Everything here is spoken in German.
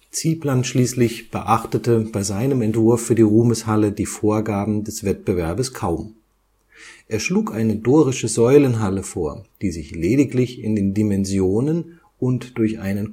Ziebland schließlich beachtete bei seinem Entwurf für die Ruhmeshalle die Vorgaben des Wettbewerbes kaum. Er schlug eine dorische Säulenhalle vor, die sich lediglich in den Dimensionen und durch einen